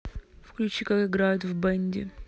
включи как играют в бенди